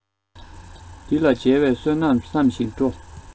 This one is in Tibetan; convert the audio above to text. འདི ལ མཇལ བའི བསོད ནམས བསམ ཞིང སྤྲོ